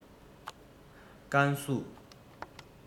ཀན སུའུ